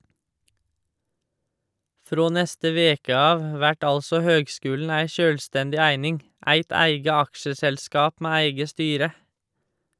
Frå neste veke av vert altså høgskulen ei sjølvstendig eining, eit eige aksjeselskap med eige styre.